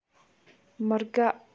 མི དགའ